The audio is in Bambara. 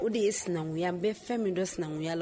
O de ye sinankuya bɛɛ fɛn min don sinankuya la